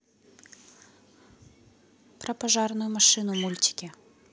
про пожарную машину мультики